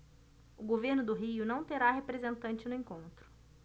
o governo do rio não terá representante no encontro